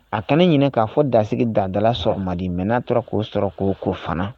A kɛnɛ ɲininka k'a fɔ dasigi dada sɔrɔ madi mɛ nnaa tɔ k'o sɔrɔ ko ko fana